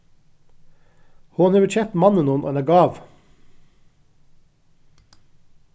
hon hevur keypt manninum eina gávu